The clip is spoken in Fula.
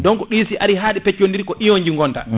donc ɗi si ari ha ɗi peccodira ko ion ɗi gonta